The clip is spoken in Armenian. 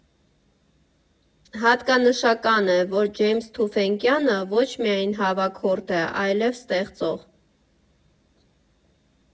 Հատկանշական է, որ Ջեյմս Թուֆենկյանը ոչ միայն հավաքորդ է, այլև ստեղծող.